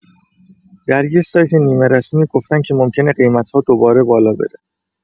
در یه سایت نیمه‌رسمی گفتن که ممکنه قیمت‌ها دوباره بالا بره.